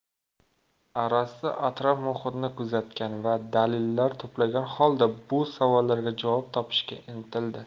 arastu atrof muhitni kuzatgan va dalillar to'plagan holda bu savollarga javob topishga intildi